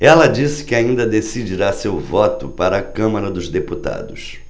ela disse que ainda decidirá seu voto para a câmara dos deputados